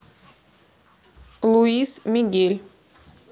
луис мигель